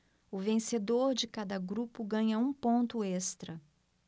o vencedor de cada grupo ganha um ponto extra